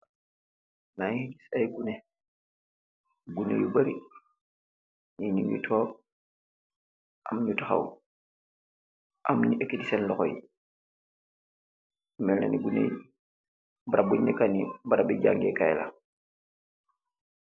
Mangi giss ay guneh, guneh yu bari, nyi nyungi togg am nyu tahaw am nyu ekati sen lohoyi melni guneh yi barab bun neka ni barabu jangeh kai la.